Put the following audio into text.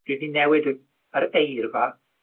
Dwi 'di newid y yr eirfa